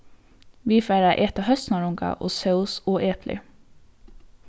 vit fara at eta høsnarunga og sós og eplir